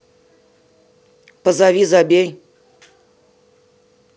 позови забей